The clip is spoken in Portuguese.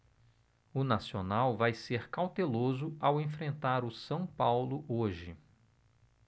o nacional vai ser cauteloso ao enfrentar o são paulo hoje